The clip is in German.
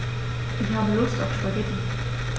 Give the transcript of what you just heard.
Ich habe Lust auf Spaghetti.